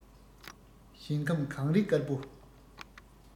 ཞིང ཁམས གངས རི དཀར པོ